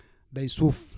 day suuf